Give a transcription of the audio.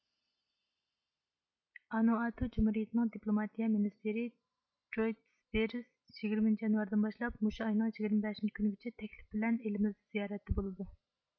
ئانۇئاتۇ جۇمھۇرىيىتىنىڭ دىپلۇماتىيە مىنىستىرى جويتىس ۋېرس يىگىرمىنچى يانۋاردىن باشلاپ مۇشۇ ئاينىڭ يىگىرمە بەشىنچى كۈنىگىچە تەكلىپ بىلەن ئېلىمىزدە زىيارەتتە بولىدۇ